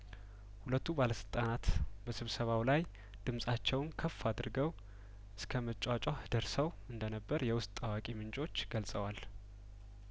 ሁለቱ ባለስልጣናት በስብሰባው ላይ ድምጻቸውን ከፍ አድርገው እስከመጯጫህ ደርሰው እንደነበር የውስጥ አዋቂ ምንጮች ገልጸዋል